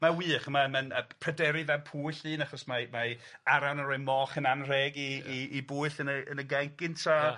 Mae'n wych a mae'n mae'n yy Pryderi fab Pwyll un achos mae mae Aran yn rhoi moch yn anrheg i i i Bwyll yn y yn y gainc gynta. Ia.